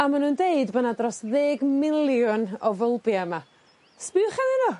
a ma' nw'n deud bo 'na dros ddeg miliwn o fylbia 'ma sbiwch arnyn n'w!